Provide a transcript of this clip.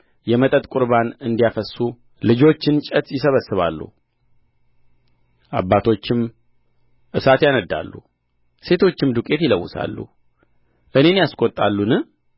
የመጠጥ ቍርባን እንዲያፈስሱ ልጆች እንጨት ይሰበስባሉ አባቶችም እሳት ያነድዳሉ ሴቶችም ዱቄት ይለውሳሉ እኔን ያስቈጣሉን